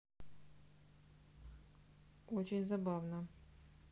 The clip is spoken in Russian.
очень забавно